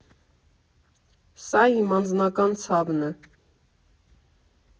«Սա իմ անձնական ցավն է։